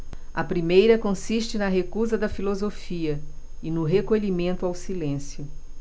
a primeira consiste na recusa da filosofia e no recolhimento ao silêncio